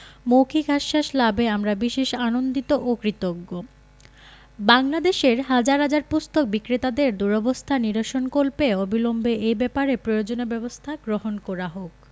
মৌখিক আশ্বাস লাভে আমরা বিশেষ আনন্দিত ও কৃতজ্ঞ বাংলাদেশের হাজার হাজার পুস্তক বিক্রেতাদের দুরবস্থা নিরসনকল্পে অবিলম্বে এই ব্যাপারে প্রয়োজনীয় ব্যাবস্থা গ্রহণ করা হোক